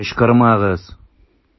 Кычкырмагыз!